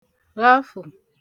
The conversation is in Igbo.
ghafù